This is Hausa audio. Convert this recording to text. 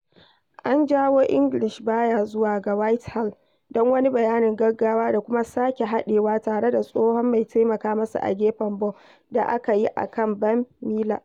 An jawo English baya zuwa ga Whitehall don wani bayanin gaggawa da kuma sake haɗewa tare da tsohon mai taimaka masa a gefe Bough, da aka yi a kan Ben Miller.